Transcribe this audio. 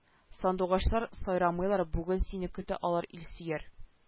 Сандугачлар сайрамыйлар бүген сине көтә алар илсөяр